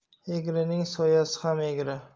egrining soyasi ham egri